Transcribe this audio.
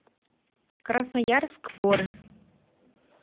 красноярск горы